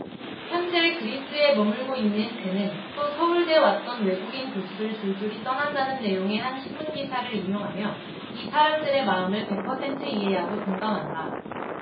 현재 그리스에 머물고 있는 그는 또 서울대 왔던 외국인 교수들 줄줄이 떠난다는 내용의 한 신문기사를 인용하며 이 사람들의 마음을 백 퍼센트 이해하고 동감한다